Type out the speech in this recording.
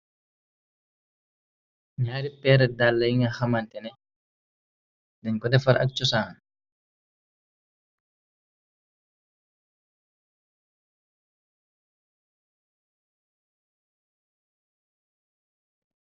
Naari peerat dalla yi nga xamante ne, den ko defar ak cosaan.